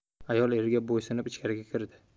ayol eriga bo'ysunib ichkariga kirdi